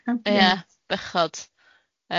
O am lyfli. Ia, bechod.